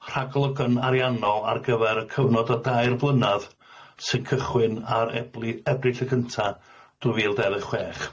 rhaglygon ariannol ar gyfer y cyfnod o dair blynadd sy'n cychwyn ar ebli- Ebrill y cynta dwy fil dau ddeg chwech.